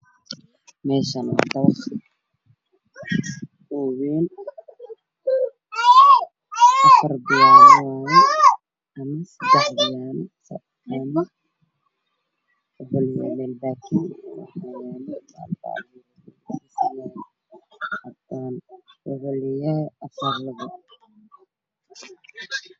Waxa ay muuqda guri weyn waddamada oo villa ah oo caddeyd caddaan waxaa horyaalo gaari cadaan geedahay